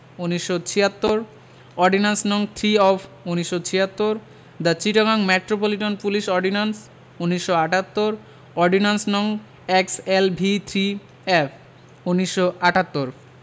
১৯৭৬ ordinance. নং. Three of ১৯৭৬ the Chittagong metropolitan police ordinance ১৯৭৮ ordinance. নং X L V three F ১৯৭৮